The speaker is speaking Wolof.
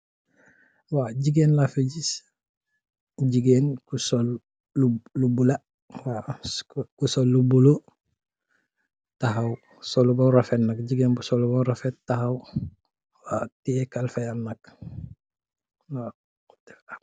Wa gigain lafi gis, gigain bu sol lu, lu bulah waa, ku sol lu bleu takhaw, solu beh rafet nak, gigain bu solu beh rafet takhaw waa tiyeh kalpeh yam nak waa.